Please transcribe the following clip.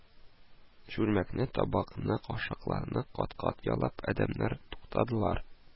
Чүлмәкне, табакны, кашыкларны кат-кат ялап, адәмнәр тукталдылар